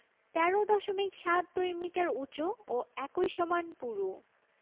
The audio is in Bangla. ১৩ দশমিক সাত দুই মিটার উঁচু ও একই সমান পুরু